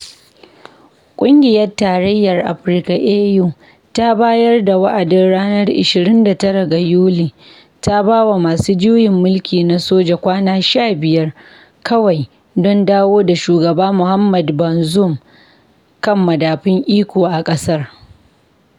Ƙungiyar Tarayyar Afirka (AU), ta bayar da wa’adin ranar 29 ga Yuli, ta ba wa masu juyin mulki na soja kwana 15 kawai don dawo da shugaba Mohamed Bazoum kan madafun iko a ƙasar.